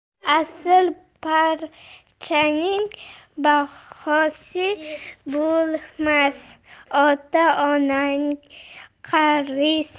asl parchaning bahosi bo'lmas ota onaning qarisi